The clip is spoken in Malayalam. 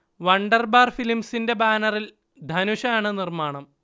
വണ്ടർബാർ ഫിലിംസിൻെ്റ ബാനറിൽ ധനുഷ് ആണ് നിർമ്മാണം